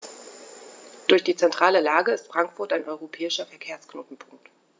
Durch die zentrale Lage ist Frankfurt ein europäischer Verkehrsknotenpunkt.